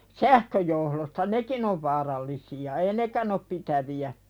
sähköjohdoista nekin on vaarallisia ei nekään ole pitäviä